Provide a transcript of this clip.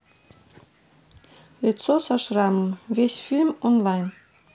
лицо со шрамом весь фильм онлайн